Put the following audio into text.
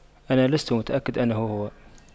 أنا لست متأكد أنه هو